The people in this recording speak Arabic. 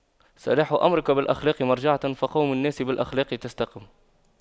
صلاح أمرك بالأخلاق مرجعه فَقَوِّم النفس بالأخلاق تستقم